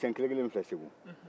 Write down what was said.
busɛn kelen-kelen min filɛ segu